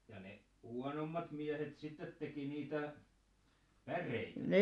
ja ne huonommat miehet sitten teki niitä päreitä